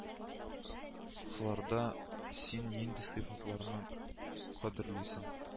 Кызларда син нинди сыйфатларны кадерлисең